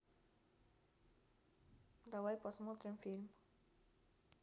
давай посмотрим фильм